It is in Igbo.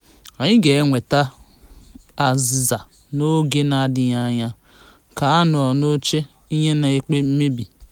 Anyị ga-enweta azịza n'oge na-adịghị anya. Ka a nọ eche, ihe na-emebi.